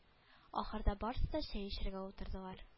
Ахырда барысы да чәй эчәргә утырдылар